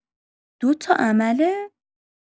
دو تا عمله؟!